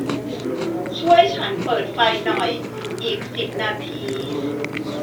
ช่วยฉันเปิดไฟหน่อยอีกสิบนาที